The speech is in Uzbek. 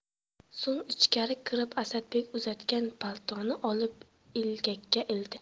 so'ng ichkari kirib asadbek uzatgan paltoni olib ilgakka ildi